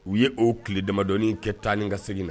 U ye oo tile damamadɔin kɛ tanani ka seginna na